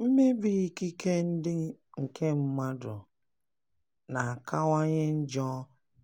Mmebi ikike ndị nke mmadụ na-akawanye njọ